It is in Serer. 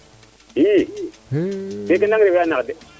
i keke im leya refe a nax de